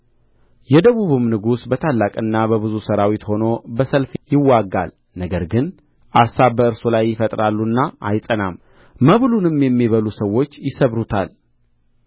የደቡብም ንጉሥ በታላቅና በብዙ ሠራዊት ሆኖ በሰልፍ ይዋጋል ነገር ግን አሳብ በእርሱ ላይ ይፈጥራሉና አይጸናም መብሉንም የሚበሉ ሰዎች ይሰብሩታል